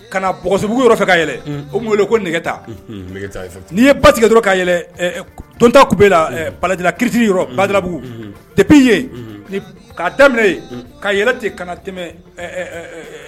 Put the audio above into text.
Ka bɔsobugu fɛ ka yɛlɛ o wele ko nɛgɛta n'i ye ba tigɛ ka tonta tun bɛ la baladina kiiriti badlabugu tɛp ye k'a daminɛ ka yɛlɛ ten kana tɛmɛ